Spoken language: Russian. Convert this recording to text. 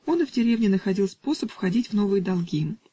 он и в деревне находил способ входить в новые долги